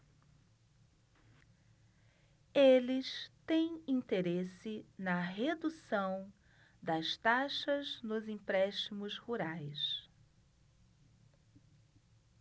eles têm interesse na redução das taxas nos empréstimos rurais